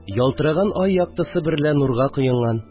Ялтыраган ай яктысы берлә нурга коенган